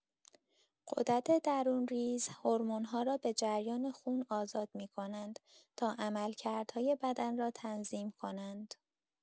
غدد درون‌ریز هورمون‌ها را به جریان خون آزاد می‌کنند تا عملکردهای بدن را تنظیم کنند.